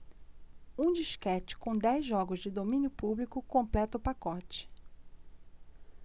um disquete com dez jogos de domínio público completa o pacote